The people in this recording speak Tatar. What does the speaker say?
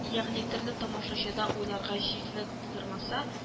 Ягъни төрле тамашачыда уйларга җирлек тудырмаса